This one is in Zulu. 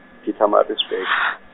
Petermaritzburg.